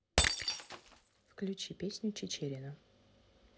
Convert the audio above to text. включи песню чечерина